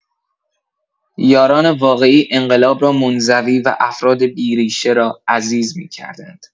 یاران واقعی انقلاب را منزوی و افراد بی‌ریشه را عزیز می‌کردند.